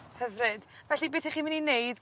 Hyfryd. Felly beth 'ych chi myn' i neud